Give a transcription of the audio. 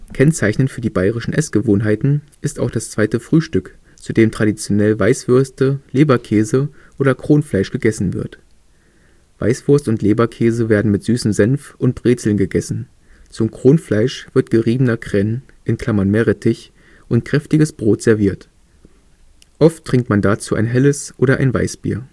Kennzeichnend für die bayrischen Essgewohnheiten ist auch das zweite Frühstück, zu dem traditionell Weißwürste, Leberkäse oder Kronfleisch gegessen wird. Weißwurst und Leberkäse werden mit süßem Senf und Brezeln gegessen, zum Kronfleisch wird geriebener Kren (Meerrettich) und kräftiges Brot serviert. Oft trinkt man dazu ein Helles oder ein Weißbier